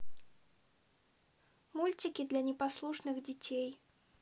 мультики для непослушных детей